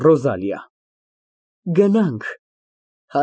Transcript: ՌՈԶԱԼԻԱ ֊ Գնանք։